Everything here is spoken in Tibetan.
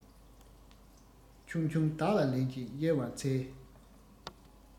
ཆུང ཆུང བདག ལ ལེན ཅིག གཡར བར འཚལ